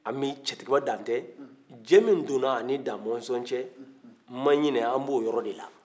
an bɛ ciɲɛtigiba dantɛ jɛ min donna ani damɔzɔn cɛ n ma ɲina an b'o yɔrɔ de la